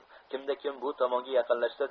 kimda kim bu tomonga yaqinlashsa